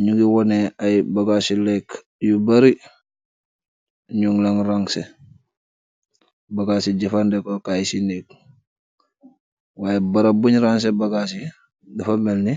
Njungy wohneh aiiy bagass lekue yu bari nung len raanseh, bagassi jeufandeh kor kaii cii negg, y bahrab bungh raanseh bagassi dafa melni